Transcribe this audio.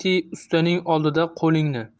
tiy ustaning oldida qo'lingni